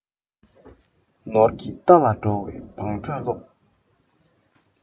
ནོར གྱི རྟ ལ འགྲོ བའི བང འགྲོས སློབས